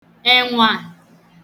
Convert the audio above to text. ènwà